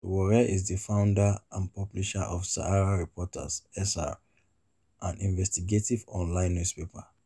Sowore is the founder and publisher of SaharaReporters (SR), an investigative online newspaper.